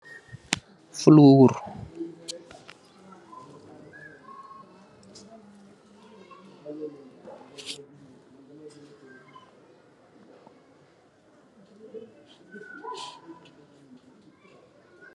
Fuloor